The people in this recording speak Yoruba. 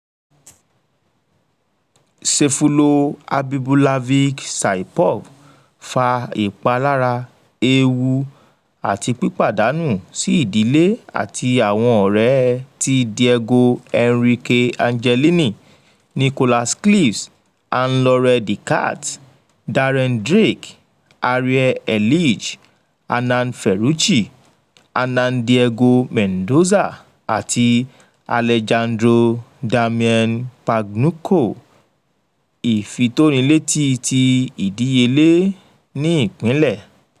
"Sayfullo Habibullaevic Saipov fa ìpalára, ewu, àti pípàdánù sí ìdílé àti àwọn ọ̀rẹ́ tí Diego Enrique Angelini, Nicholas Cleves, Ann-Laure Decadt, Darren Drake, Ariel Erlij, Hernan Ferruchi, Hernan Diego Mendoza, àti Alejandro Damian Pagnucco, "Ìfitónilétí ti ìdíyelé ní Ìpínlẹ̀